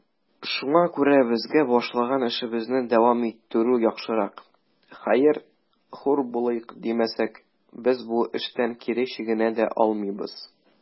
Шуңа күрә безгә башлаган эшебезне дәвам иттерү яхшырак; хәер, хур булыйк димәсәк, без бу эштән кире чигенә дә алмыйбыз.